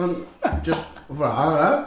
Ond jyst fwa ia?